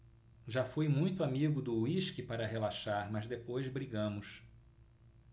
já fui muito amigo do uísque para relaxar mas depois brigamos